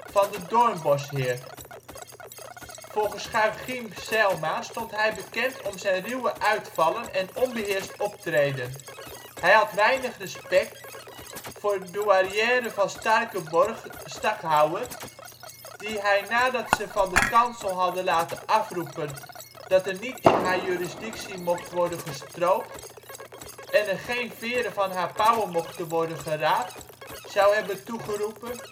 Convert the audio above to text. van de Doornbosheerd. Volgens Geuchien Zijlma stond hij bekend om zijn ruwe uitvallen en onbeheerst optreden. Hij had weinig respect voor douarière van Starkenborgh Stachouwer, die hij nadat ze van de kansel had laten afroepen dat er niet in haar jurisdictie mocht worden gestroopt en er geen veren van haar pauwen mochten worden geraapt, zou hebben toegeroepen